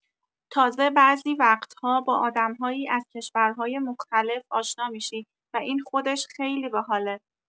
تازه، بعضی وقت‌ها با آدم‌هایی از کشورهای مختلف آشنا می‌شی و این خودش خیلی باحاله.